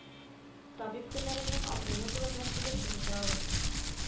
Табиб һөнәренең абруе турында сөйләшеп утырабыз